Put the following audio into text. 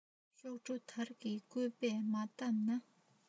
གཤོག སྒྲོ དར གྱིས སྐུད པས མ བསྡམས ན